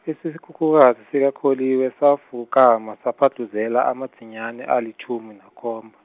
isikhukhukazi sikaKholiwe safukama, saphandhlusela amadzinyani alitjhumi nakhomba.